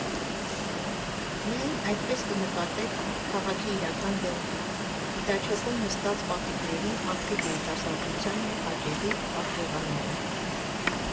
Միայն այդպես կնկատեք քաղաքի իրական դեմքը, Պյատաչոկում նստած պապիկներին, ակտիվ երիտասարդությանն ու հաճելի, պաղ եղանակը։